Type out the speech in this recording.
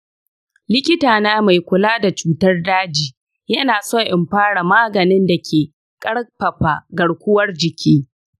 likitana mai kula da cutar daji yana son in fara maganin da ke ƙarfafa garkuwar jiki.